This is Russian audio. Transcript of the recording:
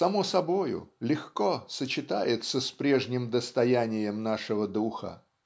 само собою легко сочетается с прежним достоянием нашего духа.